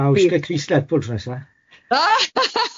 A wysga'i crys Lerpwl tro nesa.